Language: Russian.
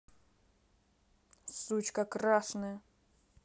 сучка крашеная